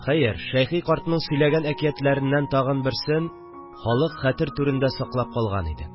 Хәер, Шәйхи картның сөйләгән әкиятләреннән тагын берсен халык хәтер түрендә саклап калган иде